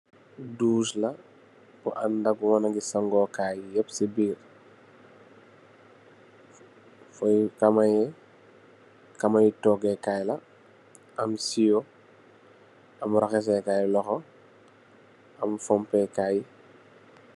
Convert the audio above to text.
Dusla bu andak wanagi sango kay yepsi birr foy kamayi kamay togehkaila am siyo am raxaseh Kai loxo am fompe Kai.